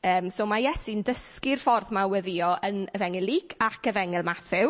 Yym, so ma' Iesu'n dysgu'r ffordd 'ma o weddïo yn Efengyl Luc ac Efengyl Mathew.